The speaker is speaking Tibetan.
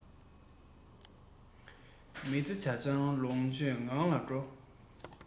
དེ འདྲའི མི ལ ཡིད ཆེས ཕན མཁན མང